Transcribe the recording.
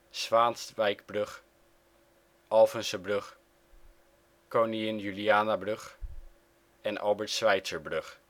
Swaenswijkbrug, Alphensebrug, Kon. Julianabrug en Albert Schweitzerbrug